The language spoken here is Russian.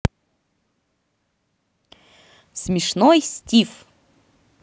смешной стив